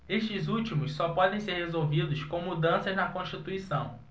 estes últimos só podem ser resolvidos com mudanças na constituição